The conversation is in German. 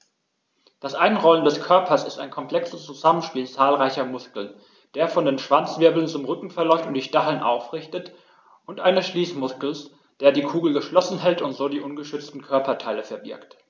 Das Einrollen des Körpers ist ein komplexes Zusammenspiel zahlreicher Muskeln, der von den Schwanzwirbeln zum Rücken verläuft und die Stacheln aufrichtet, und eines Schließmuskels, der die Kugel geschlossen hält und so die ungeschützten Körperteile verbirgt.